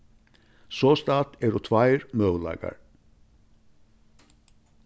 sostatt eru tveir møguleikar